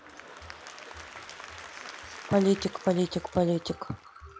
политик политик политик